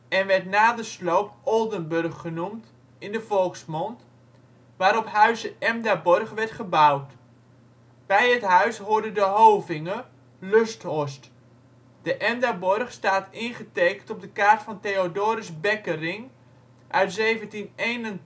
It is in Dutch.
en werd na de sloop ' Oldenburg ' genoemd in de volksmond), waarop huize ' Emdaborg ' werd gebouwd. Bij het huis hoorde de hovinge (boerderij) Lusthorst. De Emdaborg staat ingetekend op de kaart van Theodorus Beckeringh uit 1781